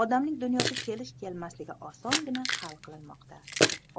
odamning dunyoga kelish kelmasligi osongina hal qilinmoqda